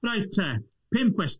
Reit te, pump cwestiwn.